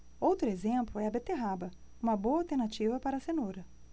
outro exemplo é a beterraba uma boa alternativa para a cenoura